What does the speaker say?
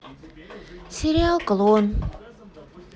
сериал клон